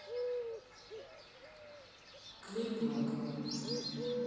клип плакала